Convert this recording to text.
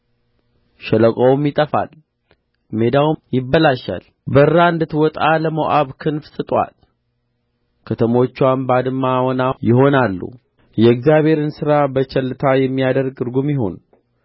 ሸለቆውም ይጠፋል ሜዳውም ይበላሻል በርራ እንድትወጣ ለሞዓብ ክንፍ ስጡአት ከተሞችዋም ባድማና ወና ይሆናሉ የእግዚአብሔርን ሥራ በቸልታ የሚያደግ ርጉም ይሁን